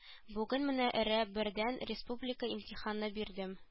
Бүген менә эрә бердәм республика имтиханы бир